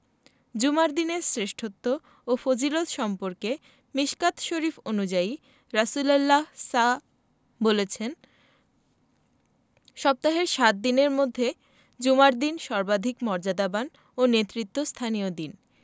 জুমার দিনের শ্রেষ্ঠত্ব ও ফজিলত সম্পর্কে মিশকাত শরিফ অনুযায়ী রাসুলুল্লাহ সা বলেছেন সপ্তাহের সাত দিনের মধ্যে জুমার দিন সর্বাধিক মর্যাদাবান ও নেতৃত্বস্থানীয় দিন